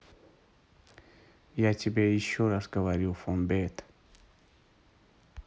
я тебе еще раз говорю фонбет